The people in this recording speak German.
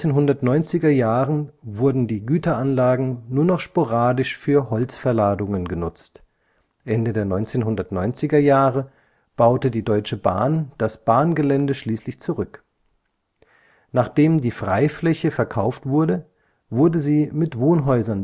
1990er Jahren wurden die Güteranlagen nur noch sporadisch für Holzverladungen genutzt, Ende der 1990er Jahre baute die Deutsche Bahn das Bahngelände schließlich zurück. Nachdem die Freifläche verkauft wurde, wurde sie mit Wohnhäuser